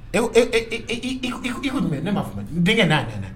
I ne b ma'a ma n denkɛ n'a nɛ dɛ